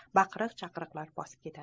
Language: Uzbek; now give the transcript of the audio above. baqiriq chaqiriqlar bosib ketadi